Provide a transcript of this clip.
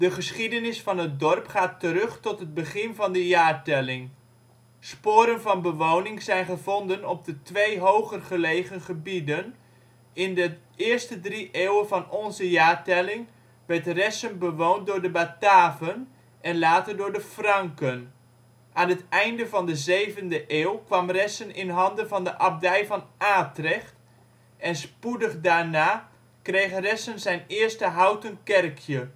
geschiedenis van het dorp gaat terug tot het begin van de jaartelling. Sporen van bewoning zijn gevonden op de twee hoger gelegen gebieden. In de eerste drie eeuwen van onze jaartelling werd Ressen bewoond door de Bataven en later door de Franken. Aan het einde van de zevende eeuw kwam Ressen in handen van de Abdij van Atrecht en spoedig daarna kreeg Ressen zijn eerste (houten) kerkje